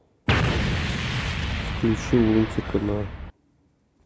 включи лунтика на